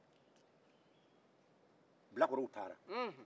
bilakorow taara